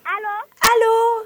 Ala kalo